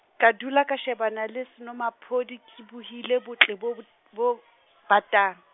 ka dula ka shebana le senomaphodi ke bohile botle bo b-, bo, batang.